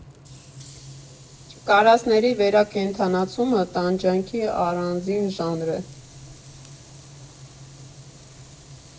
Կարասների վերակենդանացումը տանջանքի առանձին ժանր է։